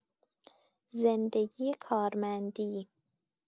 زندگی کارمندی